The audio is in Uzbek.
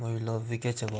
mo'ylovigacha bor edi